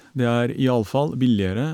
Det er iallfall billigere.